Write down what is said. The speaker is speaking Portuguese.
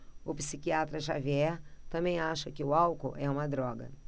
o psiquiatra dartiu xavier também acha que o álcool é uma droga